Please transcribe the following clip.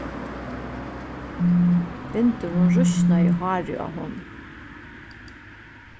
vindurin rísnaði hárið á honum